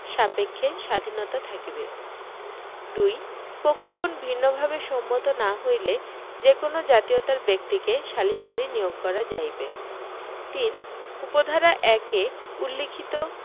সাপেক্ষে স্বাধীনতা থাকিবে ২ পক্ষগণ ভিন্নভাবে সম্মত না হইলে যে কোন জাতীয়তার ব্যক্তিকে সালিসকারী নিয়োগ করা যাইবে ৩ উপ ধারা ১ এ উল্লেখিত